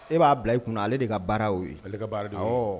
E b'a bila i kunna ale de ka baara ye o ye. Ale ka baara de y'o ye awɔɔ.